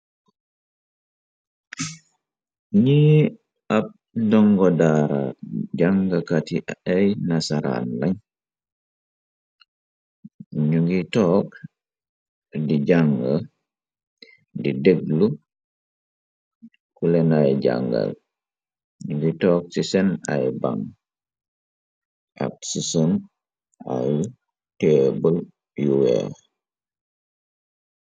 Nii ab nongo daara jàngakat yi ay nasaraan leñ ñu ngiy toog di jànga di deglu kulenay jàngal ñu ngiy toog ci seen ay baŋ ak sison ay teebul yu weex.